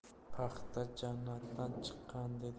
paxta jannatdan chiqqan